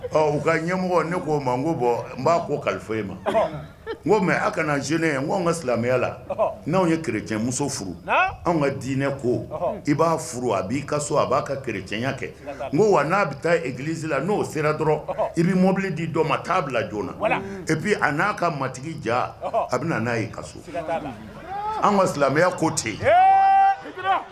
U ka ɲɛmɔgɔ ne k koo ma n ko bɔn n b'a ko kalifa fɔ e ma mɛ aw kana z ye n ko anw ka silamɛya la n' anw ye kɛlɛɛnmuso furu anw ka diinɛ ko i b'a furu a b'i ka so a b'a ka kɛlɛɛnya kɛ n wa n'a bɛ taa e giliz la n'o sera dɔrɔn i bɛ mɔbili di dɔn ma t'a bila joonana e bi a n'a ka matigi ja a bɛ na n'a y i ka so an ka silamɛya ko tɛ yen